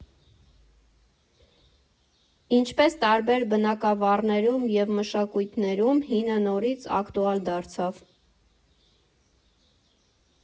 Ինչպես տարբեր բնագավառներում և մշակույթներում, հինը նորից ակտուալ դարձավ։